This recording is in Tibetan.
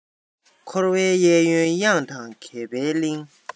འཁོར བའི གཡས གཡོན གཡང དང གད པའི གླིང